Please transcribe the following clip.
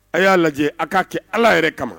A y'a lajɛ a' k'a kɛ Ala yɛrɛ kama